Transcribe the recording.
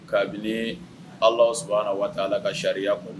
Kabini Allahou Soubhana wa ta Alaa ka sariya kɔnɔ